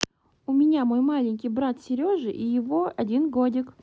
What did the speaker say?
у меня мой маленький брат сережа и его один годик